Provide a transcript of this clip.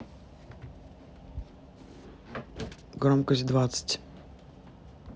громкость двадцать